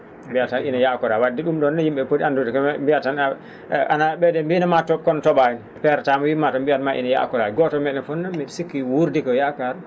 mbiyata tan ina yakora wadde ?um ?oon yim?e poti andude mbiyata a ana mbiino ma to? kono to?aani ?e peerataa miwama tan ?e mbiyatma ko ene yakora gotoy me?en fof noon mi?o sikki wurdi ko yakar